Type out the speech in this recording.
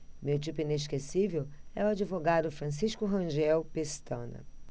meu tipo inesquecível é o advogado francisco rangel pestana